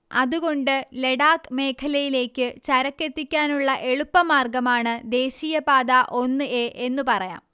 അതുകൊണ്ട് ലഡാക് മേഖലയിലേക്ക് ചരക്കെത്തിക്കാനുള്ള എളുപ്പമാർഗ്ഗമാണ് ദേശീയ പാത ഒന്ന് എ എന്നു പറയാം